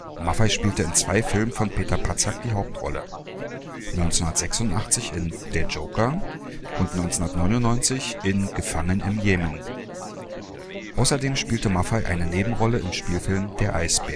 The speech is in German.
Maffay spielte in zwei Filmen von Peter Patzak die Hauptrolle: 1986 in Der Joker und 1999 in Gefangen im Jemen. Außerdem spielte Maffay eine Nebenrolle im Spielfilm Der Eisbär